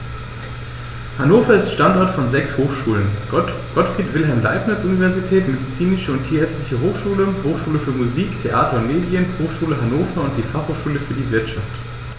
Hannover ist Standort von sechs Hochschulen: Gottfried Wilhelm Leibniz Universität, Medizinische und Tierärztliche Hochschule, Hochschule für Musik, Theater und Medien, Hochschule Hannover und die Fachhochschule für die Wirtschaft.